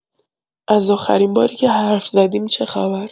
از آخرین باری که حرف زدیم چه‌خبر؟